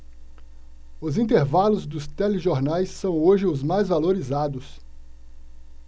os intervalos dos telejornais são hoje os mais valorizados